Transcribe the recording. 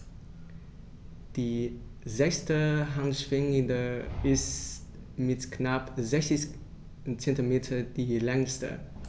Die sechste Handschwinge ist mit knapp 60 cm die längste.